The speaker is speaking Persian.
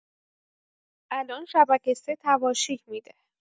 الان شبکه سه تواشیح می‌ده!